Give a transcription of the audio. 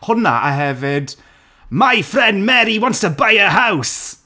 Hwnna a hefyd, my friend Mary wants to buy a house.